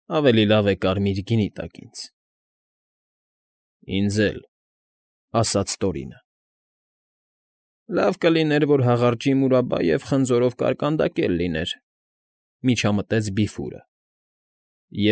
Ավելի լավ է կարմիր գինի տաք ինձ։ ֊ Ինձ էլ, ֊ ասաց Տորինը։ ֊ Լավ կլիներ, որ հաղարջի մուրաբա և խնձորով կարկանդակ էլ լիներ, ֊ միջամտեց Բիֆուրը։ ֊